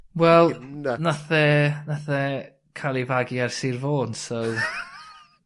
Wel... 'Kin nuts ... nath e nath e ca'l ei fagu ar Sir Fôn so.